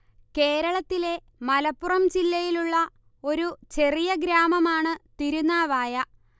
കേരളത്തിലെ മലപ്പുറം ജില്ലയിലുള്ള ഒരു ചെറിയ ഗ്രാമമാണ് തിരുനാവായ